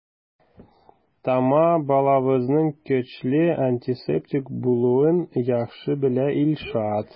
Тома балавызның көчле антисептик булуын яхшы белә Илшат.